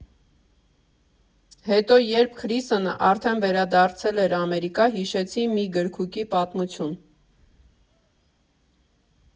Հետո, երբ Քրիսն արդեն վերադարձել էր Ամերիկա, հիշեցի մի գրքույկի պատմություն։